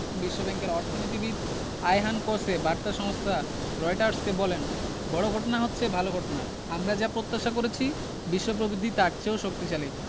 বিশ্বব্যাংকের অর্থনীতিবিদ Ayhan Kose বার্তা সংস্থা রয়টার্সকে বলেন বড় ঘটনা হচ্ছে ভালো ঘটনা আমরা যা প্রত্যাশা করেছি বিশ্ব প্রবৃদ্ধি তার চেয়েও শক্তিশালী